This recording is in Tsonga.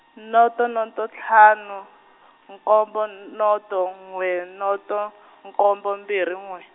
noto nonto ntlhanu, nkombo n- noto n'we noto nkombo mbhiri n'we.